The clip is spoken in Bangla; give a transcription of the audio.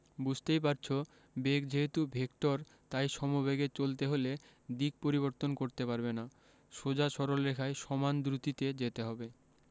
বুঝতেই পারছ বেগ যেহেতু ভেক্টর তাই সমবেগে চলতে হলে দিক পরিবর্তন করতে পারবে না সোজা সরল রেখায় সমান দ্রুতিতে যেতে হবে